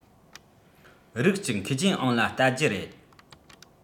རིགས གཅིག མཁས ཅན ཨང ལ བལྟ རྒྱུ རེད